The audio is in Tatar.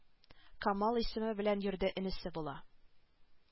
Камал исеме белән йөрде энесе була